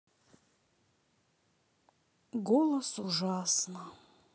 голос ужасно